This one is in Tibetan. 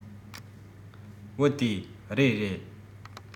བུ དེས རེད རེད